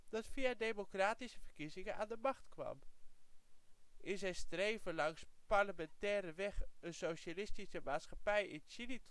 dat via democratische verkiezingen aan de macht kwam. In zijn streven langs parlementaire weg een socialistische maatschappij in Chili